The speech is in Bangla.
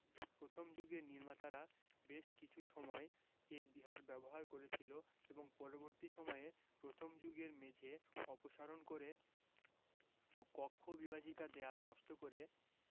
প্রথম যুগের নির্মাতারা বেশ কিছু সময় এ বিহার ব্যবহার করেছিল এবং পরবর্তী সময়ে প্রথম যুগের মেঝে অপসারণ করে ও কক্ষ বিভাজিকা দেয়াল নষ্ট করে